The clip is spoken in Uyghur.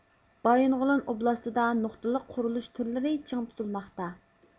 بايىنغولىن ئوبلاستىدا نۇقتىلىق قۇرۇلۇش تۈرلىرى چىڭ تۇتۇلماقتا